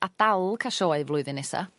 a dal ca' sioe flwyddyn nesa.